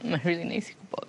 mae rhili neis i gwbod